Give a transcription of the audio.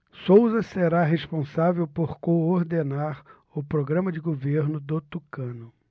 souza será responsável por coordenar o programa de governo do tucano